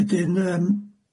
Wedyn yym